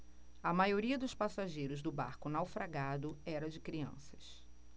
a maioria dos passageiros do barco naufragado era de crianças